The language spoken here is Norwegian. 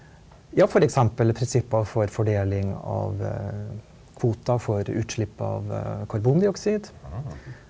ja f.eks. prinsipper for fordeling av kvoter for utslipp av karbondioksid.